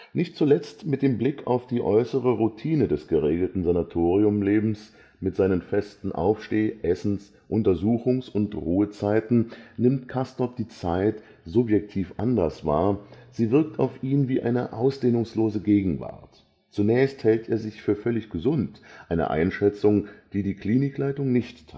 Nicht zuletzt mit Blick auf die äußere Routine des geregelten Sanatoriumlebens mit seinen festen Aufsteh -, Essens -, Untersuchungs - und Ruhezeiten nimmt Castorp die Zeit subjektiv anders wahr; sie wirkt auf ihn wie eine „ ausdehnungslose Gegenwart “. Zunächst hält er sich für völlig gesund, eine Einschätzung, die die Klinikleitung nicht